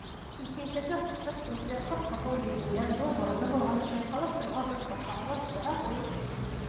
Икенчесе кысык күзле, кып-кызыл йөзендә зур борыны булган, чайкалып торган зур корсаклы, кара куе чәчле иде.